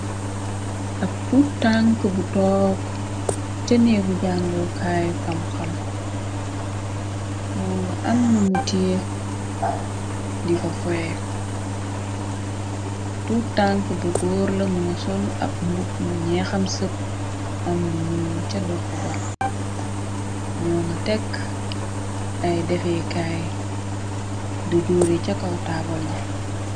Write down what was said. Ab tuutànk bu took ca neebu jàngookaayu xam xam moo nga annumu tee di ko foe tuutànk bu góor lamu nga sol ab mbug mu ñeexam sëp am ni mu ca dox ga ñoo nga tekk ay defeekaay du juure ca kaw taabal ja.